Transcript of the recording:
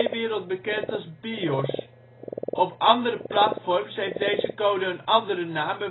wereld bekend als BIOS. Op andere platforms heeft deze code een andere naam